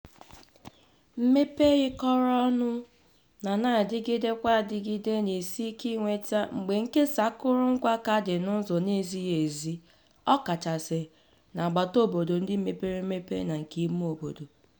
Mmepe yikọrọ ọnụ na na-adigidekwa adigide na-esi ike inweta mgbe nkesa akụrụngwa ka dị n'ụzọ na-ezighi ezi, ọkachasị n'agbata obodo ndị mepere emepe na nke ime obodo.